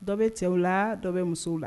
Dɔ bɛ cɛw la, dɔ bɛ musow la.